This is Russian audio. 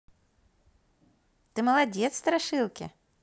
ты молодец страшилки